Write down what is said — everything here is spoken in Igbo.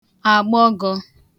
àgbọgọ̀